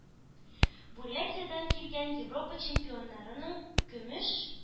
Бурятиядән килгән, Европа чемпионатының көмеш